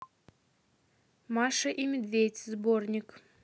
маша и медведь сборник